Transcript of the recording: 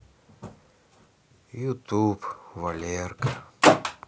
ютуб валерка